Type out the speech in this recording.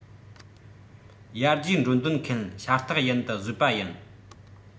ཡར རྒྱས འགྲོ འདོད མཁན ཤ སྟག ཡིན དུ བཟོས པ ཡིན